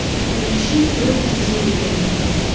включи лед зеппелин